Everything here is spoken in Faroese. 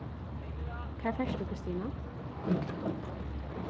hvar fert tú kristina